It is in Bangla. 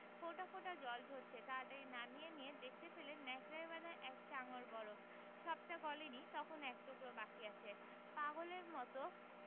ফোঁটা ফোঁটা জল ঝরছে তাড়াতাড়ি নামিয়ে নিয়ে দেখতে পেলেন ন্যাকড়ায় বাঁধা এক চাঙড় বরফ সবটা গলেনি তখনও এক টুকরো বাকি আছে পাগলের মত